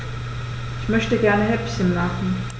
Ich möchte gerne Häppchen machen.